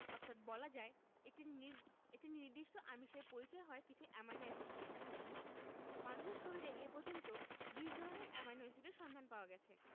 অর্থাৎ বলা যায় একটি নি একটি নির্দিষ্ট আমিষের পরিচয় হয় কিছু অ্যামাইনো এসিড দিয়ে মানুষের শরীরে এ পর্যন্ত ২০ ধরনের অ্যামাইনো এসিডের সন্ধান পাওয়া গেছে